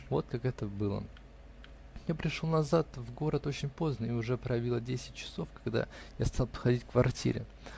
Вот как это было: Я пришел назад в город очень поздно, и уже пробило десять часов, когда я стал подходить к квартире.